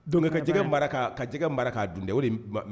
donc_ ka jɛgɛ mara ka jɛgɛ mara k'a dun.